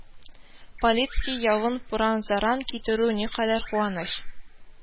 Палитский явын пыран-заран китерү никадәр куаныч